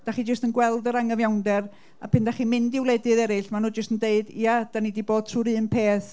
Dach chi jyst yn gweld yr anghyfiawnder, a pan dach chi'n mynd i wledydd eraill, maen nhw jyst yn deud, ia, dan ni 'di bod trwy'r un peth.